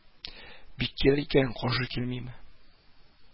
Бик кирәк икән, каршы килмим